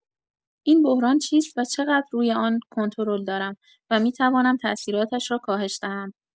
این بحران چیست و چقدر روی آن کنترل دارم و می‌توانم ثاثیراتش را کاهش دهم؟